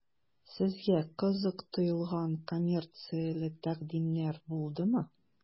Сезгә кызык тоелган коммерцияле тәкъдимнәр булдымы?